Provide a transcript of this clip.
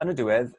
yn y diwedd